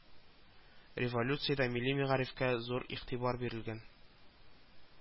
Резолюциядә милли мәгарифкә зур игътибар бирелгән